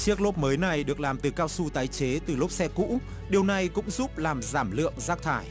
chiếc lốp mới này được làm từ cao su tái chế từ lốp xe cũ điều này cũng giúp làm giảm lượng rác thải